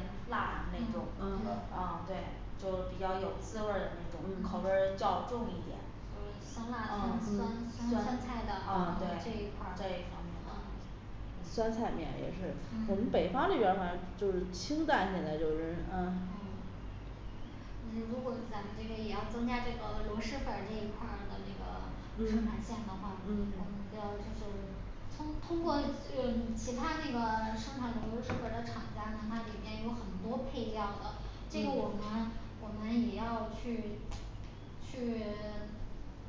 辣的那种嗯嗯啊嗯对就比较有滋味儿的那种，口嗯味儿较重一点就是嗯香辣的嗯嗯酸酸菜的哦对这一块儿这一啊方面酸菜面也是我们嗯北方这边儿好像就是清淡，现在就是嗯嗯如果说咱们这个也要增加这个螺蛳粉儿这一块儿的那嗯个生产线的话，我们嗯就要就是通通过呃其他那个生产螺蛳粉儿的厂家，它里面有很多配料的这个我嗯们我们也要去去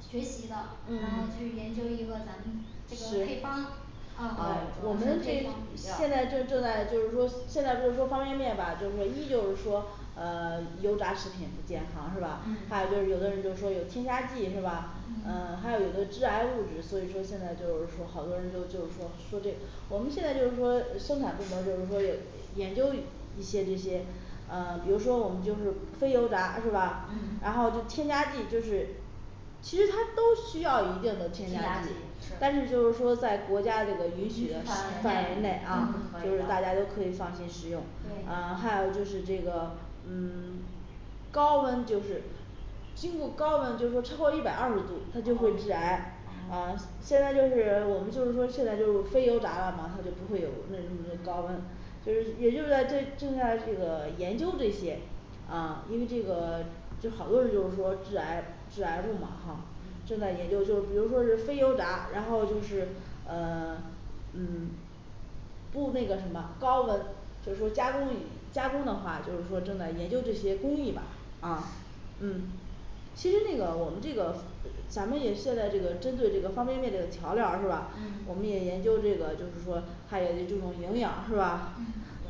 学习的，我们去研究一嗯个咱们这个配是方儿啊啊我们对这方比较现在正正在就是说现在不是说方便面吧就是一就是说啊 油炸食品不健康是吧？还有就是有嗯的人就说有添加剂，是吧？呃嗯还有的致癌物质所以说现在就是说好多人就就说说这我们现在就是说呃生产部门儿就是说有研究一一些这些呃比如说我们就是非油炸是吧？嗯然后这添加剂就是其实它都需要一定的添添加加剂剂但是就是说在国家这个允允许许的的范范围围内内啊，嗯都就是大家是可以的都可以放心食用。啊对还有就是这个嗯 高温就是经过高温就是说超过一百二十度它就会致癌啊现在就是我们就是说现在就非油炸了嘛，它就不会有那么多高温就是也就是在这正在这个研究这些，啊因为这个就好多人就是说致癌致癌物嘛哈正在研究中，比如说是非油炸，然后就是呃 嗯 不那个什么高温，就是说加工以加工的话，就是说正在研究这些工艺吧啊嗯 其实那个我们这个呃咱们也现在这个针对这个方便面的调料儿是吧我嗯们也研究这个就是说他也得注重营养是吧？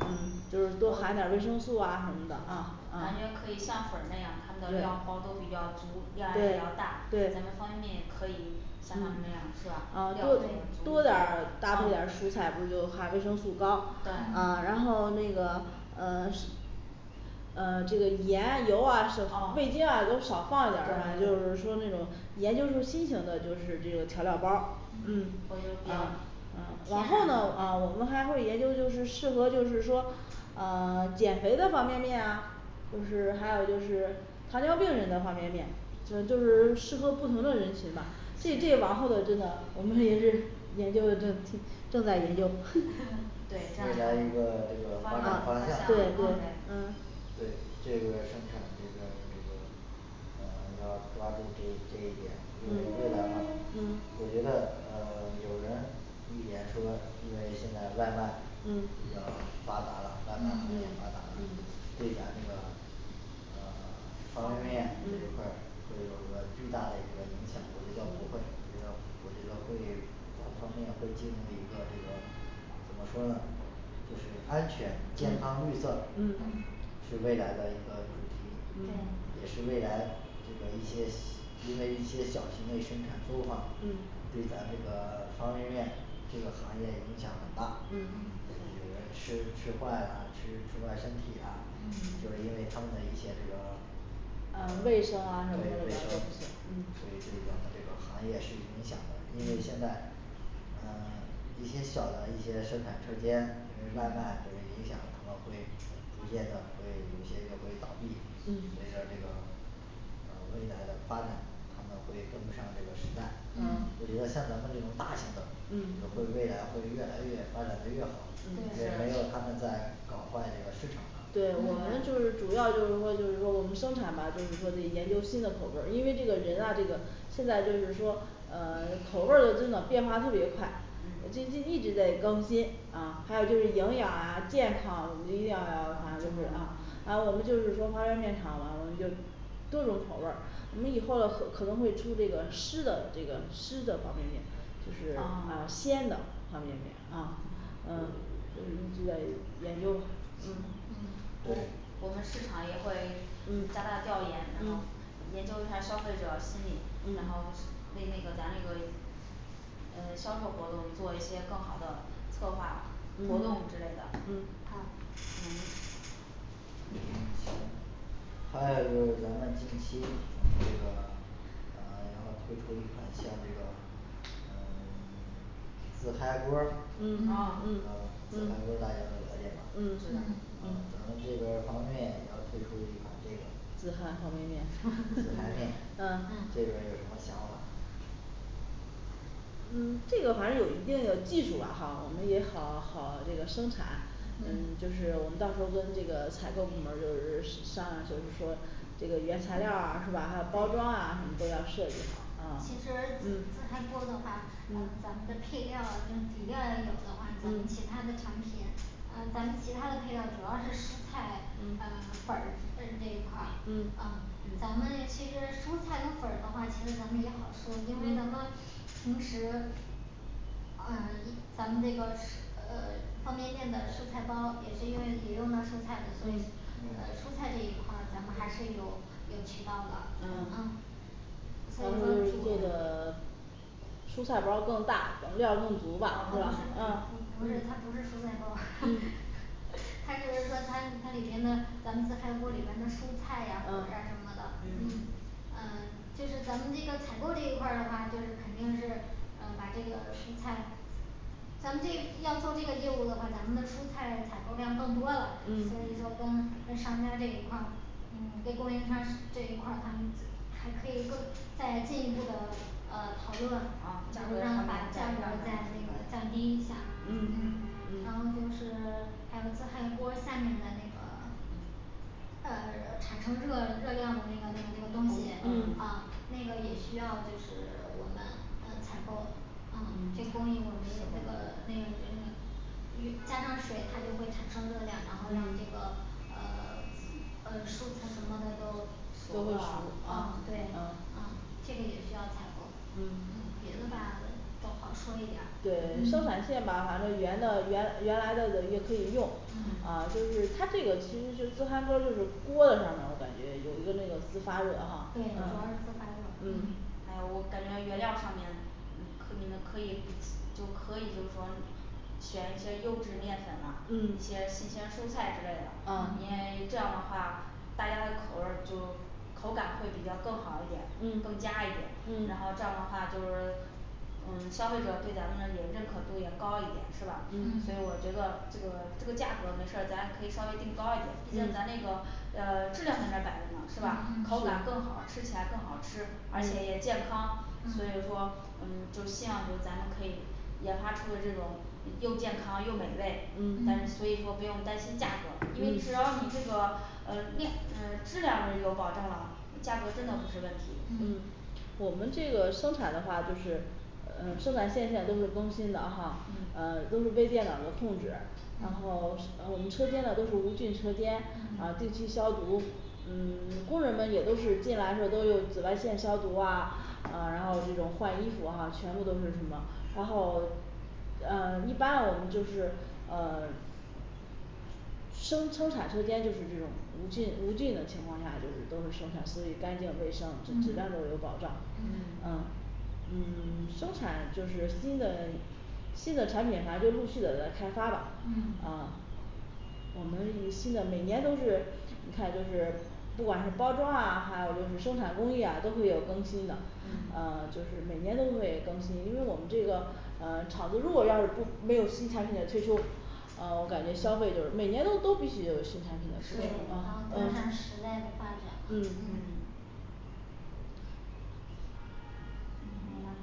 嗯就是多含点儿维生素啊什么的啊啊对对对感觉可以像粉儿那样，它的料包都比较足量也比较大，咱们方便面也可以嗯像他们这样是啊吧料多比较对足多啊对点儿搭配点儿蔬菜不是就含维生素高，啊然后那个呃 是啊这个盐啊油啊是味精啊噢都少放一点儿，反正就对是说那种研究出新型的就是这个调料儿包儿嗯嗯啊嗯往后呢啊我们还会研究就是适合就是说呃 减肥的方便面啊就是还有就是糖尿病人的方便面就都是适合不同的人群嘛这这往后的真的我们也是研究的正正在研究 嗯对这样未来一个的发发展展方方向对对方嗯面向对这个生产这边儿就是呃一定要抓住这这一点儿呃嗯这个嗯我觉得呃有人预言说因为现在外卖嗯嗯比较发达外卖嗯嗯呃 所以咱这个呃 方便面这一嗯块儿会有一个巨大的一个影响我觉得不会嗯我觉得我觉得会嗯方便面会进入一个这个怎么说呢就是安全、健康、绿色嗯嗯嗯是未来的一个主题，嗯对也是未来有一些因为一些小型嘞生产作坊嗯，对咱这个 方便面这个行业影响很大，有嗯人儿吃吃坏啦吃吃坏身体啊，就因嗯嗯为这方面面一些这个呃卫生对这对啊什么的那个对都都嗯嗯咱们这个行业是有影响的，因为现在呃 一些小的一些生产车间，因为慢慢的嗯影响，他们会出现的会有一些就会倒闭所以嗯咱这个呃未来的发展他们会跟不上这个时代嗯嗯。有一个像咱们这种大型的嗯未来会越来越发展的越好，嗯对也没有他们在搞坏这个市场了对，我们嗯就是主要就是说就是说我们生产嘛就是说得研究新的口味儿，因为这个人啊这个现在就是说呃 口味儿的真的变化特别快呃最近一嗯直在更新，啊还有就是营养啊健康，我们一定要要反正就是啊啊我们就是说方便面厂了我们就多种口味儿我们以后可可能会出这个湿的这个湿的方便面就是啊啊鲜的方便面啊嗯就是一直在研究嗯嗯对我们市场也会嗯加大调研，然嗯后研究一下儿消费者心理，然后嗯为那个咱那个呃销售活动做一些更好的策划嗯嗯活动之类的嗯嗯好嗯行还有就是咱们近期咱这个呃然后推出一款像那个嗯 自嗨锅儿知道吗嗯嗯自嗨锅儿大家嗯都了解吧嗯嗯呃咱嗯们这边儿方便面也要推出一款这个自自嗨嗨方便面面 啊这边儿有什么想法嗯这个反正有一定的技术了哈，我们也好好这个生产，嗯就嗯是我们到时候儿跟这个采购部门儿就是是 商量，就是说这个原材料儿啊是吧，还有包装啊什么都要设计好，啊嗯嗯其实嗯自嗨锅的话，嗯咱们的配料儿啊跟底料儿要有的话咱们其他的产品嗯咱们其他的配料儿主要是蔬菜嗯呃粉儿嗯这一块儿嗯嗯咱们这儿嗯其实蔬菜和粉儿的话，其实咱们也好说因为咱们嗯平时啊一咱们这个呃 方便面的蔬菜包也是因为也用到蔬菜的，所以嗯呃蔬菜这一块儿咱们还是有有渠道的嗯嗯咱们做的 蔬菜包儿更大，咱们料儿更足吧不是是吧？啊不是他不是蔬菜包儿嗯 他就是说他他里面的咱们自嗨锅里边儿的蔬菜啊呀或者什么的嗯嗯 就是咱们这个采购这一块儿的话就是肯定是呃把这个蔬菜咱们这要做这个业务的话，咱们的蔬菜采购量更多了，所嗯以说跟跟商家这一块儿嗯给供应商这一块儿，他们的还可以更再进一步的呃讨论啊价，格然后上把价格儿再那个降低一下儿嗯。然后就嗯是还有自嗨锅儿下面的那个 呃 产生热热量的那个那个那个东西，啊嗯那个也需要就是我们嗯采购啊这嗯工艺我没那个那个给他们雨加上水它就会产生热量，然后让这嗯个呃 呃蔬菜什么的都都会熟啊嗯啊嗯对啊这个也需要采购嗯别的吧都好说一点儿对生产线吧反正原的原原来的的也可以用。啊就是他这个其实就是自嗨锅儿就是锅儿的上面儿我感觉有一个那个自发热对主啊嗯要是自发热嗯嗯哎呀我感觉原料儿上面可以你们可以就可以就是说选一些优质面粉啊，一嗯些新鲜蔬菜之类的，因啊为这样的话大家的口味儿就口感会比较更好一点更佳嗯一点然后嗯这样的话就是呃消费者对咱们也认可度也高一点是吧？所嗯嗯以我觉得这个这个价格没事儿，咱可以稍微定高一点，就像咱那嗯个呃质量在那嗯摆着呢是吧口嗯感更好是，吃起来更好吃而且也健康，所以说嗯就希望就咱们可以研发出的这种又健康又美味，但是所嗯嗯以说不用担心价格，因为只嗯要你这个嗯量嗯质量有保证了，价格真的不是问嗯嗯题我们这个生产的话就是呃生产线现在都是更新的哈，嗯呃都是微电脑的控制然嗯后是 呃我们车间的都是无菌车间啊定期消毒嗯 工人们也都是进来时候儿都有紫外线消毒啊，啊然后这种换衣服哈全部都是什么然后啊一般我们就是呃 生生产车间就是这种无菌无菌的情况下就是都是生产，所以干净卫生质质量嗯都有保障嗯啊嗯 生产就是新的新的产品反正就陆续的来开发吧嗯啊我们以新的每年都是你看就是不管是包装啊，还有就是生产工艺啊都会有更新的嗯啊就是每年都会更新，因为我们这个呃厂子如果要是不没有新产品的推出啊我感觉消费就是每年都都必须有新产品的对推出然后啊跟上时代的发展嗯嗯嗯嗯没了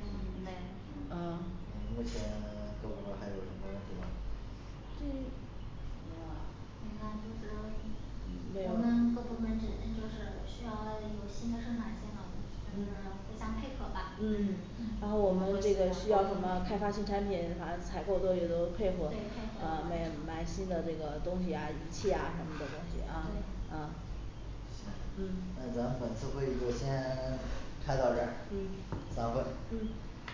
没有什么们这问啊边题嗯目前儿部各部门儿还有门什么问儿题没吗嗯没啊了嗯没了就没是有咱们嗯各部门儿只呃就是需要有新的生产线了我们就是互相配合吧嗯嗯然嗯后我们这个需要什么开发新产品，反正采购都也对都配配合合对，啊买买新的这个东西啊仪器啊什么的东西啊嗯行那嗯咱本次会议就先 开到这儿散嗯会嗯